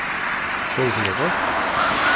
hevur tú tað gott